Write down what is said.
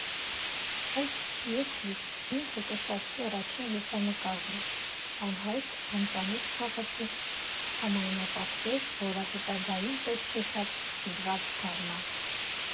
Սա Սիեթլից իմ ֆոտոշարքի առաջին լուսանկարն է՝ անհայտ, անծանոթ քաղաքի համայնապատկեր, որը հետագայում պետք է շատ սիրված դառնա։